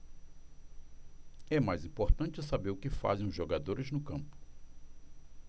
é mais importante saber o que fazem os jogadores no campo